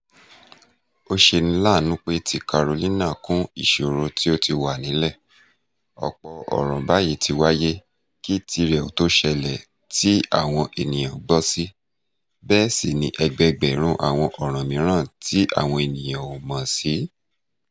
Ó ṣeni láàánú pé ti Carolina kún ìṣirò tí ó ti wà nílẹ̀, ọ̀pọ̀ ọ̀ràn báyìí ti wáyé kí tirẹ̀ ó tó ṣẹlẹ̀ tí àwọn ènìyàn gbọ́ sí, bẹ́ẹ̀ sì ni ẹgbẹẹgbẹ̀rún àwọn ọ̀ràn mìíràn tí àwọn èèyàn ò mọ̀ sí.